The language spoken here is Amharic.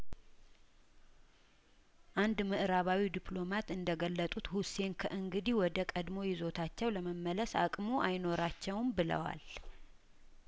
አንድ ምእራባዊ ዲፕሎማት እንደገለጡት ሁሴን ከእንግዲህ ወደ ቀድሞ ይዞታቸው ለመመለስ አቅሙ አይኖራቸውም ብለዋል